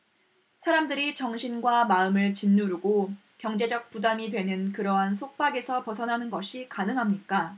사람들이 정신과 마음을 짓누르고 경제적 부담이 되는 그러한 속박에서 벗어나는 것이 가능합니까